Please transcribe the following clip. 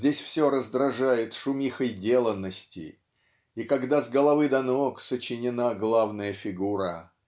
здесь все раздражает шумихой деланности и когда с головы до ног сочинена главная фигура?